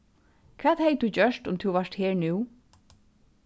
hvat hevði tú gjørt um tú vart her nú